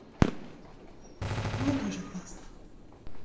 мне тоже классно